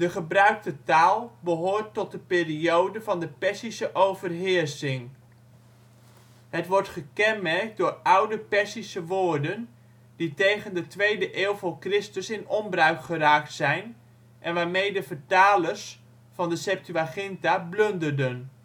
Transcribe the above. gebruikte taal behoort tot de periode van de Perzische overheersing. Het wordt gekenmerkt door oude Perzische woorden, die tegen de tweede eeuw voor Christus in onbruik geraakt zijn, en waarmee de vertalers van de Septuaginta blunderden